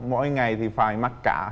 mỗi ngày thì phải mặc cả hết